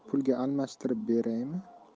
pulga almashtirib beraymi